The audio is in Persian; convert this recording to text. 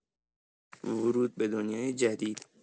ورود به دنیای جدید